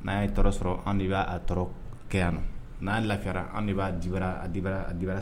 N'a ye tɔɔrɔ sɔrɔ an de b'a tɔɔrɔ kɛ yan na n''a lara an de b'a dibara dibarara